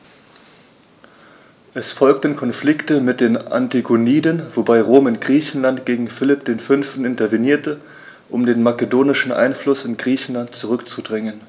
Es folgten Konflikte mit den Antigoniden, wobei Rom in Griechenland gegen Philipp V. intervenierte, um den makedonischen Einfluss in Griechenland zurückzudrängen.